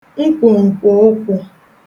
nkwòǹkwòụkwū